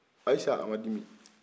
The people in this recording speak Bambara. ayise a ma dimi